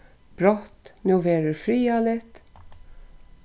brátt nú verður friðarligt